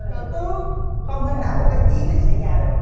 cờ tướng không thể nào có cái chuyện này xảy ra được